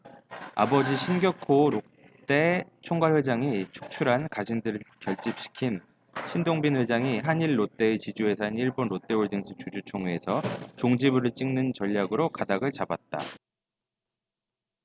아버지 신격호 롯데 총괄회장이 축출한 가신들을 결집시킨 신동빈 회장이 한 일 롯데의 지주회사인 일본 롯데홀딩스 주주총회에서 종지부를 찍는 전략으로 가닥을 잡았다